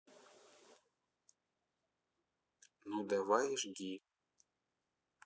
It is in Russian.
ну давай жги